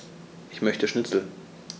Ich möchte Schnitzel.